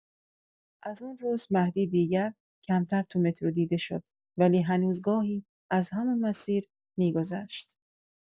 از اون روز، مهدی دیگه کمتر تو مترو دیده شد، ولی هنوز گاهی از همون مسیر می‌گذشت.